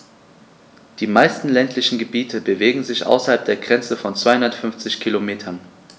Die meisten ländlichen Gebiete bewegen sich außerhalb der Grenze von 250 Kilometern.